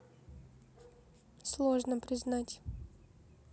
сложно признать